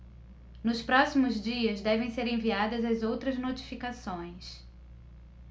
nos próximos dias devem ser enviadas as outras notificações